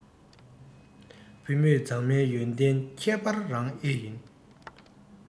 བུད མེད མཛངས མའི ཡོན ཏན ཁྱད པར རང ཨེ ཡིན